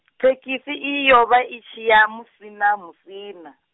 thekhisi iyi yo vha i tshiya Musina Musina.